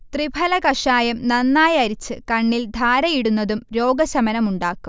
തൃഫല കഷായം നന്നായരിച്ച് കണ്ണിൽ ധാരയിടുന്നതും രോഗശമനമുണ്ടാക്കും